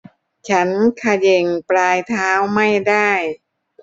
ฉันเขย่งปลายเท้าไม่ได้